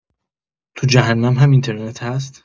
تو جهنم هم اینترنت هست؟!